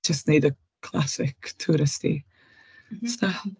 Jyst wneud y classic touristy ... m-hm ...stuff.